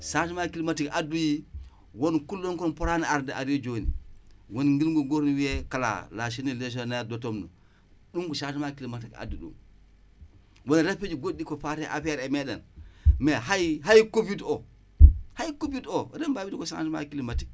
changement climatique at bii